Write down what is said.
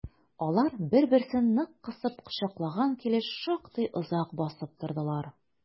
Алар бер-берсен нык кысып кочаклаган килеш шактый озак басып тордылар.